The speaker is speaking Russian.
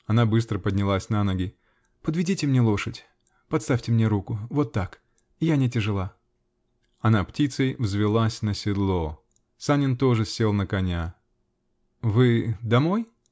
-- Она быстро поднялась на ноги. -- Подведите мне лошадь. Подставьте мне руку. Вот так. Я не тяжела. Она птицей взвилась на седло. Санин тоже сел на коня. -- Вы -- домой?